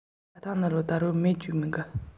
ཁང པའི ནང དུ ཧ ཅང གྲང